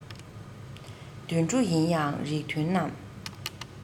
དུད འགྲོ ཡིན ཡང རིགས མཐུན རྣམས